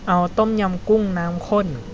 เอาต้มยำกุ้งน้ำข้น